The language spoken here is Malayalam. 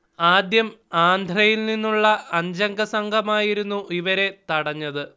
ആദ്യം ആന്ധ്രയിൽ നിന്നുള്ള അഞ്ചംഗ സംഘമായിരുന്നു ഇവരെ തടഞ്ഞത്